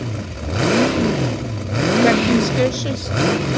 каменская шесть